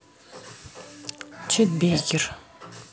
чет бейкер